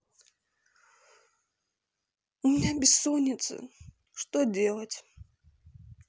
у меня бессонница что делать